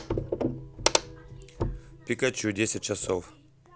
пикачу десять часов